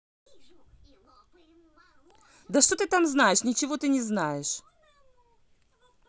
да что ты там знаешь ничего ты не знаешь